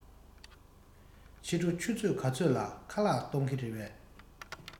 ཕྱི དྲོ ཆུ ཚོད ག ཚོད ལ ཁ ལག གཏོང གི རེད པས